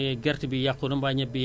bu ñu ko sàccee ñu fay la